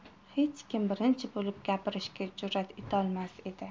hech kim birinchi bo'lib gapirishga jurat etolmas edi